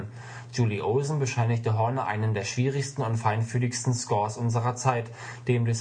Julie Olson bescheinigt Horner „ einen der schwierigsten und feinfühligsten Scores unserer Zeit “, dem